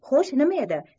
xo'sh nima edi